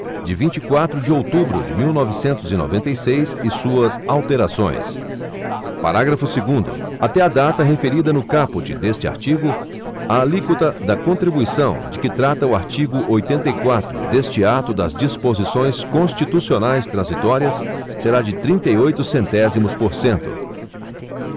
de vinte e quatro de outubro de mil novecentos e noventa e seis e suas alterações parágrafo segundo até a data referida no caput deste artigo a alíquota da contribuição de que trata o artigo oitenta e quatro deste ato das disposições constitucionais transitórias será de trinta e oito centésimos por cento